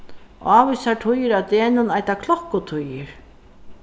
ávísar tíðir á degnum eita klokkutíðir